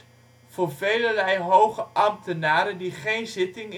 velerlei hoge ambtenaren die geen zitting